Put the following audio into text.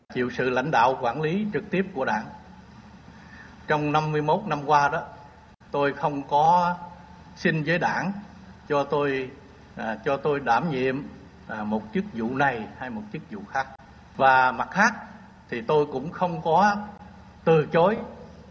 chịu sự lãnh đạo quản lý trực tiếp của đảng trong năm mươi mốt năm qua đó tôi không có xin giấy đảng cho tôi cho tôi đảm nhiệm là một chức vụ này hay một chiếc vụ khách và mặt khác thì tôi cũng không có từ chối